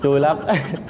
vui lắm